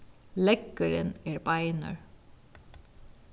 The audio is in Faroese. leggurin er beinur